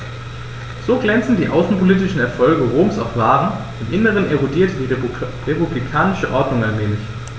So glänzend die außenpolitischen Erfolge Roms auch waren: Im Inneren erodierte die republikanische Ordnung allmählich.